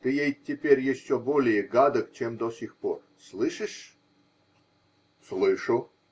Ты ей теперь еще более гадок, чем до сих пор. Слышишь? -- Слышу.